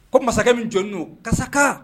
Ko masakɛ min jɔn don kaka